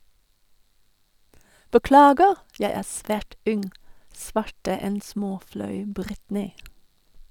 - Beklager, jeg er svært ung, svarte en småflau Britney.